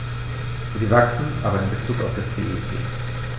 Sie wachsen, aber in bezug auf das BIP.